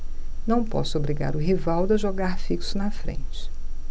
não posso obrigar o rivaldo a jogar fixo na frente